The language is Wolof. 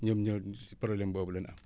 ñoom ñooñu si problème boobu la ñu am